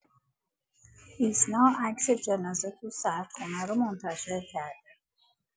ایسنا عکس جنازه تو سردخونه رو منتشر کرده.